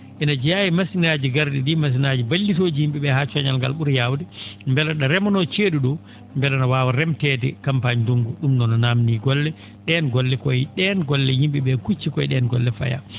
ene jeyaa e machine ?aaji ngar?i ?ii machine ngaji ballitooji yim?e ?ee haa coñal ngal ?ura yaawde mbela ?a remanoo cee?u ?o mbela na waawa remteede campagne ndunngu ?um noon no naamdi golle ?een golle ko ye ?een golle yim?e ?ee kucci ko ye ?een golle fayaa